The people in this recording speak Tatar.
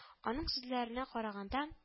Аның сүзләренә караганда